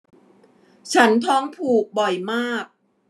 ฉันท้องผูกบ่อยมาก